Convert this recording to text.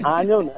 ah ñëw na